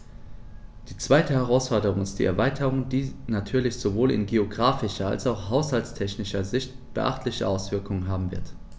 Die zweite Herausforderung ist die Erweiterung, die natürlich sowohl in geographischer als auch haushaltstechnischer Sicht beachtliche Auswirkungen haben wird.